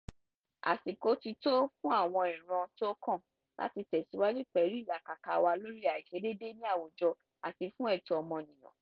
Àsìkò ti tó fún àwọn ìran tí ó kàn láti tẹ̀síwájú pẹ̀lú ìlàkàkà wa lórí àìṣedéédé ní àwùjọ àti fún ẹ̀tọ́ ọmọnìyàn.